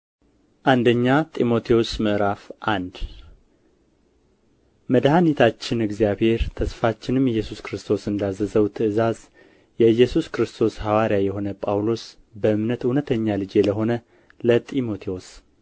አንደኛ ጢሞቴዎስ ምዕራፍ አንድ መድኃኒታችን እግዚአብሔር ተስፋችንም ኢየሱስ ክርስቶስ እንዳዘዘው ትእዛዝ የኢየሱስ ክርስቶስ ሐዋርያ የሆነ ጳውሎስ በእምነት እውነተኛ ልጄ ለሆነ ለጢሞቴዎስ